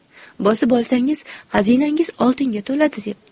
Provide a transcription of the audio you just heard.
bosib olsangiz xazinangiz oltinga to'ladi debdi